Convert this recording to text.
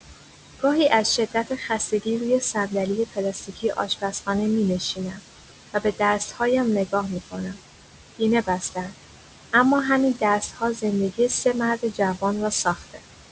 گاهی از شدت خستگی روی صندلی پلاستیکی آشپزخانه می‌نشینم و به دست‌هایم نگاه می‌کنم، پینه بسته‌اند، اما همین دست‌ها زندگی سه مرد جوان را ساخته.